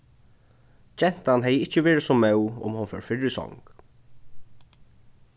gentan hevði ikki verið so móð um hon fór fyrr í song